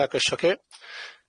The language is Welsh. Nag oes oce.